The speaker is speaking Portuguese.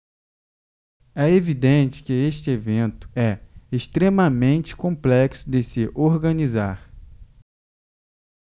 é evidente que este evento é extremamente complexo de se organizar